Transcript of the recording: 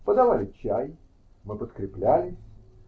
Подавали чай, мы подкреплялись.